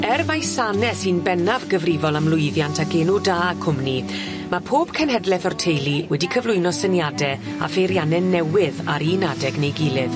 Er mai sane sy'n bennaf gyfrifol ym lwyddiant ac enw da cwmni ma' pob cenhedleth o'r teulu wedi cyflwyno syniade a pheirianne newydd ar un adeg neu gilydd.